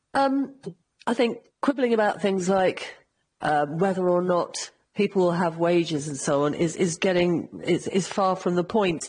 Yym, I think quibbling about things like yy whether or not people will have wages and so on is is getting is is far from the point.